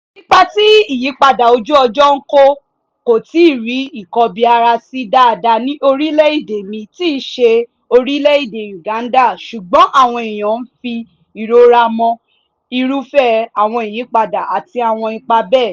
Ipa tí ìyípadà ojú ọjọ́ ń kó kò tíì rí ìkọbi-ara-sí daada ní orílẹ̀-èdè mi tí í ṣe orílẹ̀-èdè Uganda ṣùgbọ́n àwọn èèyàn ń fi ìrora mọ irúfẹ́ àwọn ìyípadà àti àwọn ipa bẹ́ẹ̀.